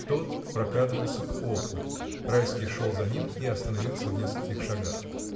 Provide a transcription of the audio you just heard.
Тот прокрадывался к окнам, Райский шел за ним и остановился в нескольких шагах.